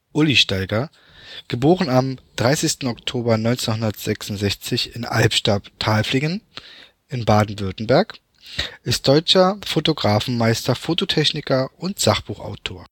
Uli " Staiger (* 30. Oktober 1966 in Albstadt-Tailfingen, Baden-Württemberg) ist deutscher Fotografenmeister, Fototechniker und Sachbuchautor